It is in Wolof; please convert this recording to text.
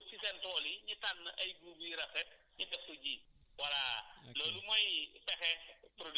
loolu moo tax ñu préférer jël ci seen tool yi ñu tànn ay guub yu rafet ñu def ko ji voilà loolu mooy